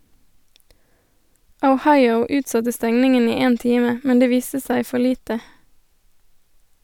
Ohio utsatte stengningen i én time, men det viste seg for lite.